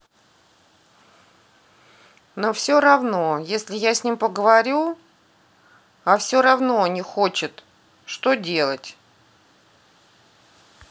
но все равно если я с ним поговорю а все равно не хочет что делать